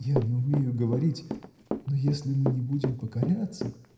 я не умею говорить, но если мы не будем покоряться.